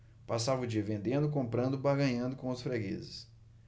passava o dia vendendo comprando barganhando com os fregueses